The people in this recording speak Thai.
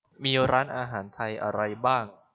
มีร้านอาหารไทยอะไรบ้าง